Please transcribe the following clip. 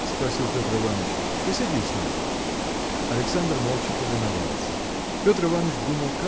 – спросил Петр Иваныч, – посиди с нами. Александр молча повиновался. Петр Иваныч думал